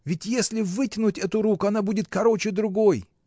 Ведь если вытянуть эту руку, она будет короче другой